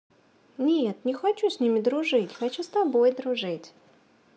нет не хочу с ними дружить хочу с тобой дружить